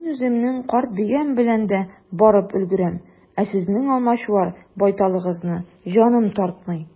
Мин үземнең карт биям белән дә барып өлгерәм, ә сезнең алмачуар байталыгызны җаным тартмый.